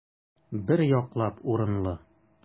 Бер яклап урынлы.